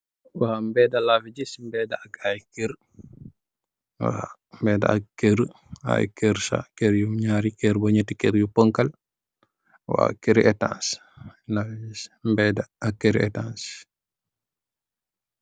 Mbééda laa fi gis, mbééda ak ay kér. Ñarri kër ba ñatti kér. Kér yu puñgka, waaw, kér i etaas. Mbééda ak kér I etaas.